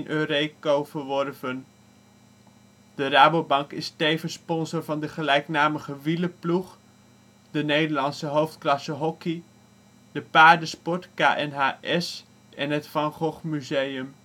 Eureko verworven. De Rabobank is tevens sponsor van de gelijknamige wielerploeg, de Nederlandse hoofdklasse hockey, de paardensport/KNHS en het Van Gogh Museum